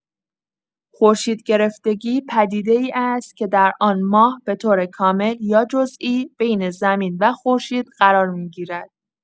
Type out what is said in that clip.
خورشیدگرفتگی پدیده‌ای است که در آن ماه به‌طور کامل یا جزئی بین زمین و خورشید قرار می‌گیرد.